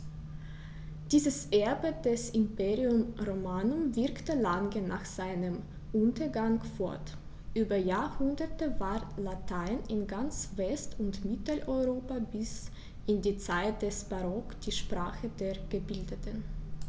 Dieses Erbe des Imperium Romanum wirkte lange nach seinem Untergang fort: Über Jahrhunderte war Latein in ganz West- und Mitteleuropa bis in die Zeit des Barock die Sprache der Gebildeten.